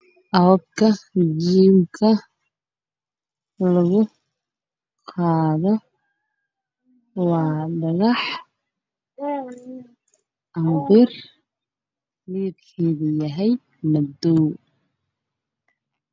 Qolka jiimka lagu qaado waa bir midabkeedu yahay madow